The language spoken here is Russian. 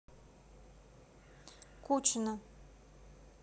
кучина